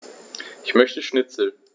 Ich möchte Schnitzel.